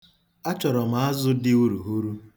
Achọrọ m azụ dị urughuru.